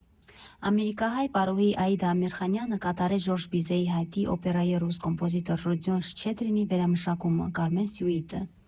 Ամերիկահայ պարուհի Աիդա Ամիրխանյանը կատարեց Ժորժ Բիզեի հայտի օպերայի ռուս կոմպոզիտոր Ռոդիոն Շչեդրինի վերամշակումը՝ «Կարմեն֊սյուիտը»։